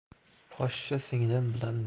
poshsha singlim bilan